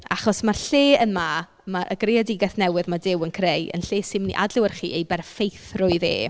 Achos ma'r lle yma... ma' y greadigaeth newydd mae Duw yn creu, yn lle sy'n mynd i adlewyrchu ei berffeithrwydd e.